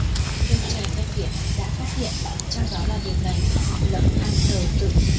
dân chài ven biển đã phát hiện cho đó là điềm lành họ lập am thờ tự